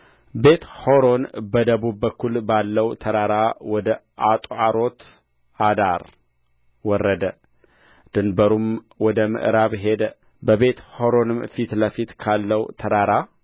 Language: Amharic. ቤትሖሮን በደቡብ በኩል ባለው ተራራ ወደ አጣሮትአዳር ወረደ ድንበሩም ወደ ምዕራብ ሄደ በቤትሖሮንም ፊት ለፊት ካለው ተራራ